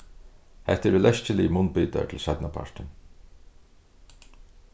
hetta eru leskiligir munnbitar til seinnapartin